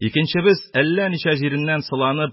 Икенчебез әллә ничә җиреннән сыланып,